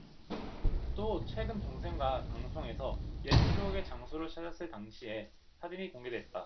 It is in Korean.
또 최근 동생과 방송에서 옛 추억의 장소를 찾았을 당시의 사진이 공개됐다